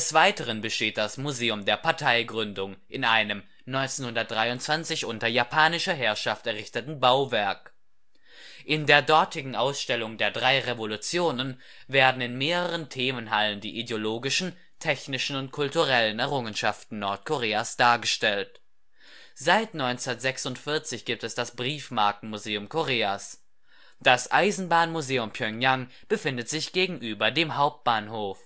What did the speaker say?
Weiteren besteht das Museum der Parteigründung in einem 1923 unter japanischer Herrschaft errichteten Bauwerk. In der dortigen Ausstellung der Drei Revolutionen werden in mehreren Themenhallen die ideologischen, technischen und kulturellen Errungenschaften Nordkoreas dargestellt. Seit 1946 gibt es das Briefmarkenmuseum Koreas. Das Eisenbahnmuseum Pjöngjang befindet sich gegenüber dem Hauptbahnhof